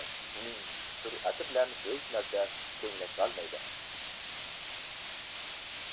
uning sur'ati bilan hech narsa tenglasholmaydi